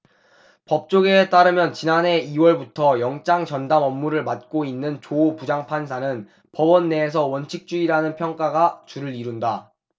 법조계에 따르면 지난해 이 월부터 영장전담 업무를 맡고 있는 조 부장판사는 법원 내에서 원칙주의자라는 평가가 주를 이룬다